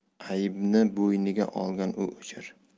aybni bo'yniga olgan u o'jar